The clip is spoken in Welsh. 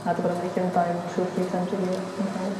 A dwi go'ro' mynd i Llundain two or three times a year yn hawdd.